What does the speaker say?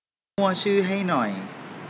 มั่วชื่อให้หน่อย